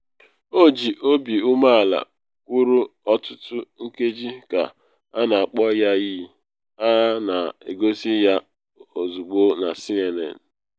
O ji obi umeala kwụrụ ọtụtụ nkeji ka a na akpọ ya iyi, a na egosi ya ozugbo na CNN.